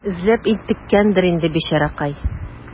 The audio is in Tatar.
Эзләп интеккәндер инде, бичаракай.